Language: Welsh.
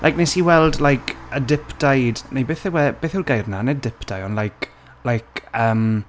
Like, wnes i weld, like, y dip dyed, neu beth yw e... Beth yw'r gair 'na? Nid dip dyed, ond like like, yym...